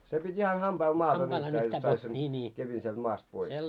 se piti ihan hampailla maasta nyhtää jotta sait sen kepin sieltä maasta pois